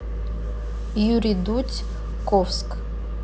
юрий дудь ковск